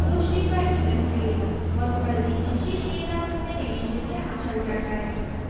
Tashrifa Industries গতকাল দিন শেষে সেই দাম কমে নেমে এসেছে ১৮ টাকায়